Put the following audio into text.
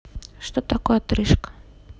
что такое отрыжка